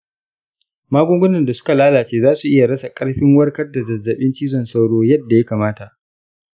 magungunan da suka lalace za su iya rasa karfin warkar da zazzabin cizon sauro yadda ya kamata.